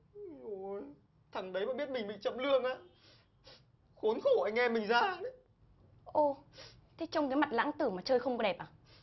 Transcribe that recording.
ui dời ôi thằng đấy mà biết mình bị chậm lương á khốn khổ anh em mình ra ấy ô thế trông cái mặt lãng tử mà chơi không có đẹp à